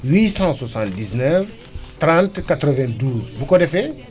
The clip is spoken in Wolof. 879 30 92 bu ko defee